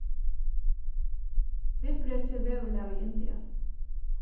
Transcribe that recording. viðbrekið veðurlag í india